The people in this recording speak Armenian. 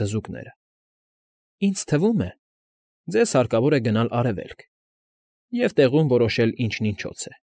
Թզուկները։ ֊ Ինձ թվում է, ձեզ հարկավոր է գնալ Արևելք և տեղում որոշել ինչն ինչոց է։